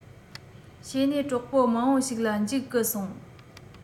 བྱས ནས གྲོགས པོ མང པོ ཞིག ལ འཇིགས སྐུལ སོང